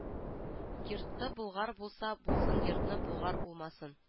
Йорты болгар улса улсын йортны болгар улмасын